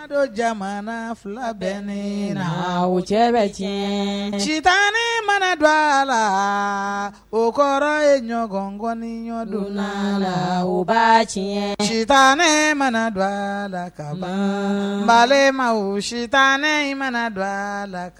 Du jamana fila bɛ ne na o cɛ bɛ tiɲɛ sita ne mana don a la o kɔrɔ ye ɲɔgɔnkɔni ɲɔgɔndon la la ba tiɲɛ sita ne mana don a la ka ma ma wo sita mana don a la